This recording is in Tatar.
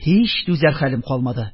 Һич түзәр хәлем калмады